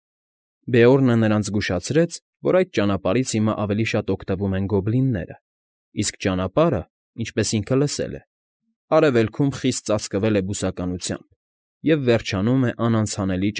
Բեորնը նրանց զգուշացրեց, որ այդ ճանապարհից հիմա ավելի շատ օգտվում են գոբլինները, իսկ ճանապարհը, ինչպես ինքը լսել է, արևելքում խիստ ծածկվել է բուսականությամբ և վերջանում է անանցանելի։